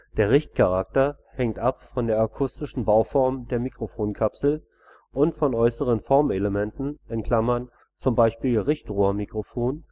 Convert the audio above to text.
Der Richtcharakter hängt ab von der akustischen Bauform der Mikrofonkapsel und von äußeren Formelementen (z. B. Richtrohrmikrofon